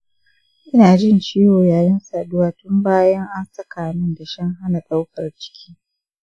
ina jin ciwo yayin saduwa tun bayan an saka min dashen hana daukar ciki .